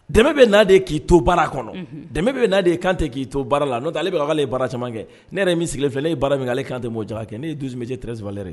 Dɛmɛ bɛ naa k'i to baara kɔnɔ dɛ na kan tɛ k'i to baara la n'o da aleale bɛ baara camankɛ ne yɛrɛ ye min sigilen filɛ ne ye baara min ale kan tɛ bɔja kɛ ne ye dusue tɛsi saba yɛrɛ ye